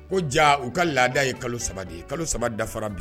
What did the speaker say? Ko ja u ka laada ye kalo 3 de ye kalo 3 dafara bi